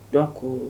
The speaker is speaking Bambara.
Donc